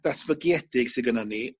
datbygiedig sy gynno ni